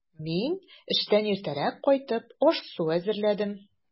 Мин, эштән иртәрәк кайтып, аш-су әзерләдем.